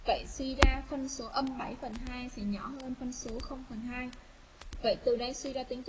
vệ sinh ra phân số âm phần thì nhỏ hơn phân số phần vậy tôi đang suy ra tính